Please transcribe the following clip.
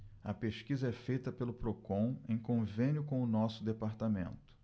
a pesquisa é feita pelo procon em convênio com o diese